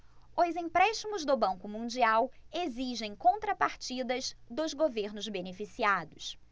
os empréstimos do banco mundial exigem contrapartidas dos governos beneficiados